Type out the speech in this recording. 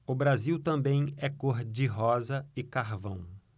o brasil também é cor de rosa e carvão